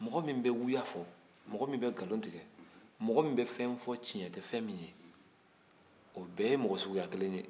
mɔgɔ min bɛ wuya fɔ mɔgɔ min bɛ nkalon tigɛ mɔgɔ min bɛ fɛn fɔ tiɲɛ tɛ fɛn min ye o bɛɛ ye mɔgɔ suguya kelen ye